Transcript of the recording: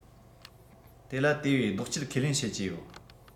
དེ ལ དེ བས ལྡོག སྐྱེལ ཁས ལེན བྱེད ཀྱི ཡོད